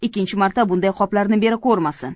ikkinchi marta bunday qoplarni bera ko'rmasin